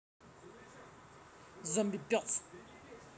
zombie пес